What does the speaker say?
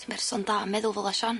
Ti'n berson da yn meddwl fela Sian.